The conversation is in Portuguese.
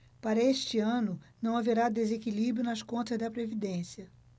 para este ano não haverá desequilíbrio nas contas da previdência